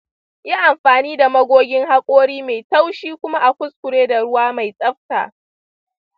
yi amfani da magogin haƙori mai taushi kuma a kuskure da ruwa mai tsafta.